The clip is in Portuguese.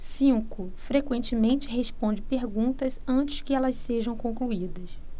cinco frequentemente responde perguntas antes que elas sejam concluídas